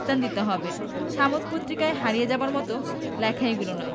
স্থান দিতেই হবে সাময়িক পত্রিকায় হারিয়ে যাবার মত লেখা এগুলি নয়